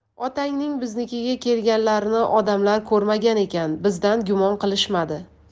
otangning biznikiga kelganlarini odamlar ko'rmagan ekan bizdan gumon qilishmadi